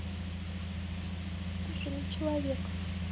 ты же не человек